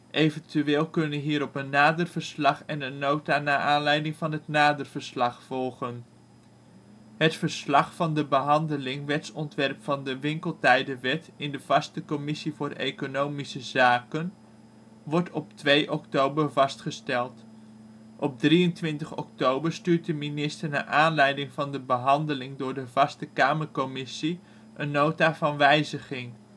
Eventueel kunnen hierop een Nader verslag en een nota naar aanleiding van het nader verslag volgen. Het verslag van de behandeling wetsontwerp van de Winkeltijdenwet in de vaste commissie voor Economische Zaken wordt op 2 oktober vastgesteld. Op 23 oktober stuurt de minister naar aanleiding van de behandeling door de vaste kamercommissie een Nota van wijziging